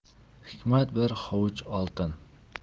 hikmat bir hovuch oltin